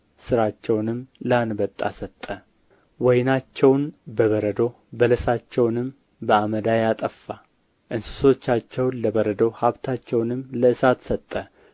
ሥራቸውንም ለአንበጣ ሰጠ ወይናቸውን በበረዶ በለሳቸውንም በአመዳይ አጠፋ እንስሶቻቸውን ለበረዶ ሀብታቸውንም ለእሳት ሰጠ